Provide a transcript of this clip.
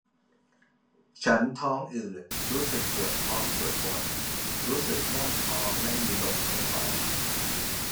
ฉันท้องอืดรู้สึกปวดท้องส่วนบนรู้สึกแน่นท้องและมีลมในท้อง